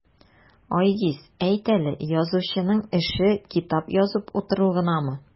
Айгиз, әйт әле, язучының эше китап язып утыру гынамы?